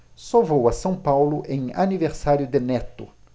só vou a são paulo em aniversário de neto